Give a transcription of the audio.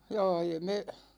jaa ja me